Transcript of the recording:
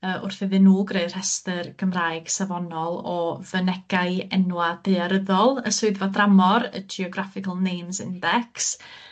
yy wrth iddyn nw greu rhestyr Gymraeg safonol o fynegai enwa' daearyddol y swyddfa dramor, y Geographical Names Index